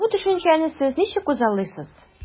Бу төшенчәне сез ничек күзаллыйсыз?